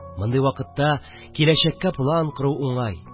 Мондый вакытта киләчәккә план кору уңай